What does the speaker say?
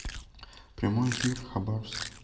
прямой эфир хабаровск